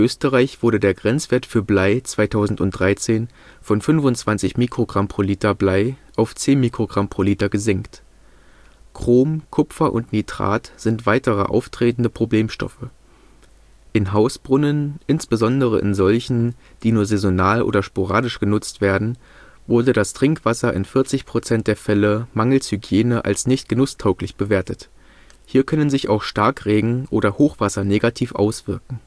Österreich wurde der Grenzwert für Blei 2013 von 25 μg/l Blei auf 10 μg/l gesenkt. Chrom, Kupfer und Nitrat sind weitere auftretende Problemstoffe. In Hausbrunnen, insbesondere in solchen, die nur saisonal oder sporadisch genutzt werden, wurde das Trinkwasser in 40 % der Fälle mangels Hygiene als " nicht genusstauglich " bewertet, hier können sich auch Starkregen oder Hochwasser negativ auswirken